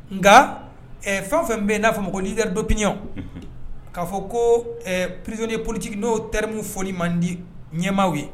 Nka fɛn fɛn bɛ yen n'a fɔ ma ko n' yɛrɛ dɔ pyɲɛw k'a fɔ ko ɛɛ perezoni ye politigikiinin'o temu fɔli mandi ɲɛmaaw ye